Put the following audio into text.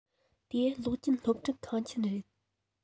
དེ གློག ཅན སློབ ཁྲིད ཁང ཆེན རེད